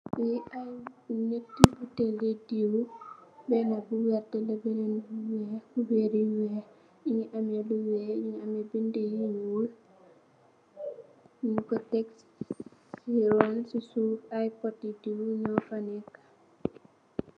Li ay nyiiti buteel le diiw, bena bu neka mo am kuber weex nu amme bind yu nuul, nu ko tekk su ron fu ay poti diiw yu fa nekka.